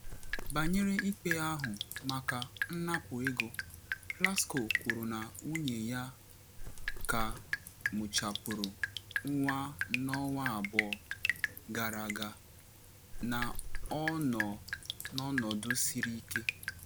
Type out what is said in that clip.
Banyere ikpe ahụ maka “nnapụ ego,” Plasco kwuru na nwunye ya ka mụchapụrụ nwa n’ọnwa abụọ gara aga, na ọ nọ “n’ọnọdụ siri ike.”